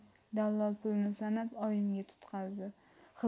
dallol pulni sanab oyimga tutqazdi